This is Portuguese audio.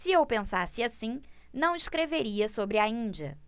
se eu pensasse assim não escreveria sobre a índia